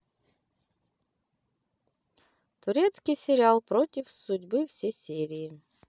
турецкий сериал против судьбы все серии